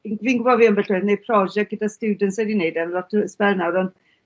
fi'n fi'n gw'bo' fi ambell waith yn neud prosiect gyda stiwdants swy 'di neud e am lot o sbel nawr on'